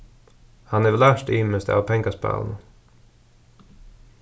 hann hevur lært ymiskt av pengaspælinum